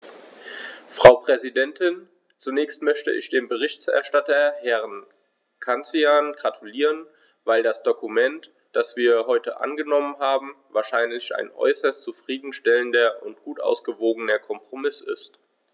Frau Präsidentin, zunächst möchte ich dem Berichterstatter Herrn Cancian gratulieren, weil das Dokument, das wir heute angenommen haben, wahrlich ein äußerst zufrieden stellender und gut ausgewogener Kompromiss ist.